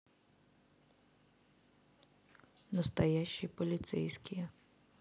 настоящие полицейские